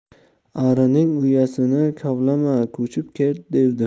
arining uyasini kavlama ko'chib ket devdim